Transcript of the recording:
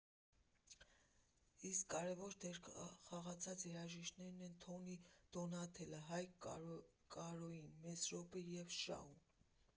Իսկ կարևոր դեր խաղացած երաժիշտներն են Թոնի Դոնաթելը, Հայկ Կարոյին, Մեսրոպը և Շաուն։